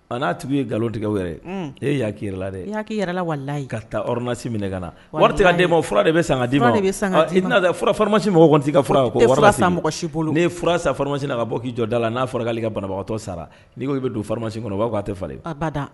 A n'a tun ye nkalonlo tigɛ wɛrɛ e yakila dɛ eki yɛrɛla wala ka taasi minɛ ka na tɛden ma fura de bɛ san di fura faramasi mɔgɔ' sa mɔgɔ si bolo fura san faramasi na ka bɔ k'i jɔ da la n'a fɔra'ale ka banabagatɔ sara n'i ko i bɛ don faramasi kɔnɔ'a tɛ